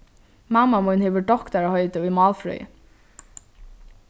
mamma mín hevur doktaraheiti í málfrøði